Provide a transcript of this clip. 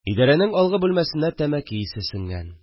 Идәрәнең алгы бүлмәсенә тәмәке исе сеңгән